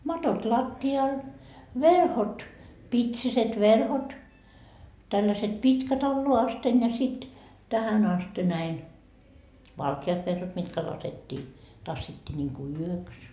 matot lattialla verhot pitsiset verhot tällaiset pitkät alas asti ja sitten tähän asti näin valkeat verhot mitkä laskettiin tassittiin niin kuin yöksi